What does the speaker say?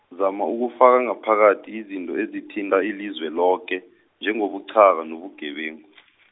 zama ukufaka ngaphakathi izinto ezithinta ilizwe loke, njengobuqhaka, nobugebengu .